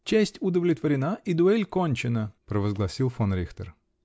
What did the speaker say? -- Честь удовлетворена -- и дуэль кончена! -- провозгласил фон Рихтер .